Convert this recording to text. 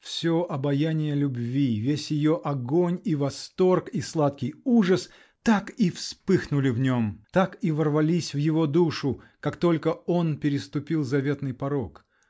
Все обаяние любви, весь ее огонь, и восторг, и сладкий ужас -- так и вспыхнули в нем, так и ворвались в его душу, как только он переступил заветный порог.